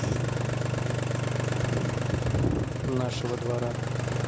нашего двора